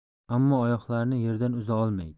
ammo oyoqlarini yerdan uza olmaydi